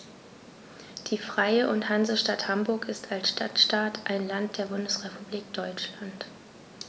Die Freie und Hansestadt Hamburg ist als Stadtstaat ein Land der Bundesrepublik Deutschland.